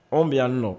Anw bɛ yan nin nɔ!